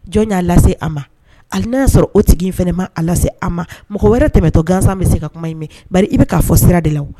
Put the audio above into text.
Jɔn y'a lase a ma ani n'a'a sɔrɔ o tigi in fana ma a lase a ma mɔgɔ wɛrɛ tɛmɛ to gansan bɛ se ka kuma in min ba i bɛ k'a fɔ sira de la